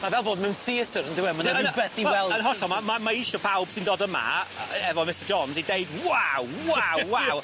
Ma' fel bod mewn theatr on'd yw e ma' 'na rwbeth i weld. Yn hollol ma' ma' ma' isio pawb sy'n dod yma yy efo Mistar Jones i deud waw waw waw.